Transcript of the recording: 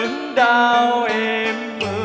ơi